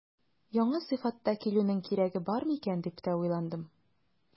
Яңа сыйфатта килүнең кирәге бар микән дип тә уйландым.